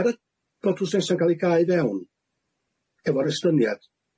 Er y bod prosesa'n ga'l 'i gau fewn efo'r estyniad